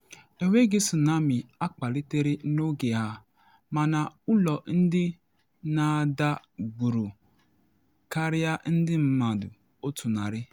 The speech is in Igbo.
Enweghị tsunami akpalitere n’oge a, mana ụlọ ndị na ada gburu karịa ndị mmadụ 100.